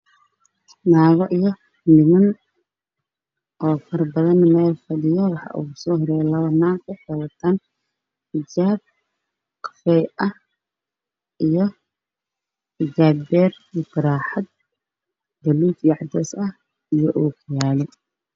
Waa naago iyo niman fara badan meel fadhiyo